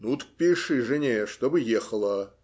- Ну, так пиши жене, чтобы ехала.